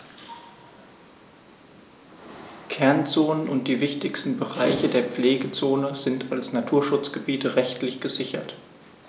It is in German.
Kernzonen und die wichtigsten Bereiche der Pflegezone sind als Naturschutzgebiete rechtlich gesichert.